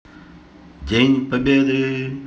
день победы